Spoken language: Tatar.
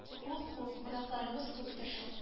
Ух-ух гөнаһларыбыз күптер шул